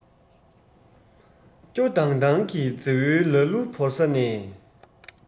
སྐྱོ ལྡང ལྡང གི རྫི བོའི ལ གླུ བོར ས ནས